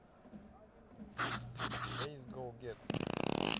days go get